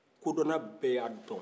ko dɔnna bɛ ya dɔ